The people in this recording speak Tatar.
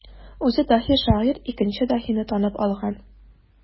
Үзе даһи шагыйрь икенче даһине танып алган.